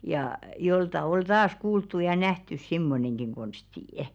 ja joltakin oli taas kuultu ja nähty semmoinenkin konsti